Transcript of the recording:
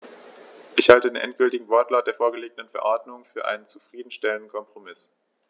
Ich halte den endgültigen Wortlaut der vorgelegten Verordnung für einen zufrieden stellenden Kompromiss.